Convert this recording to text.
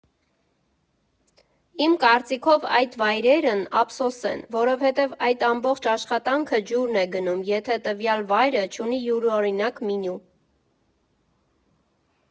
Իմ կարծիքով այդ վայրերն ափսոս են, որովհետև այդ ամբողջ աշխատանքը ջուրն է գնում, եթե տվյալ վայրը չունի յուրօրինակ մենյու։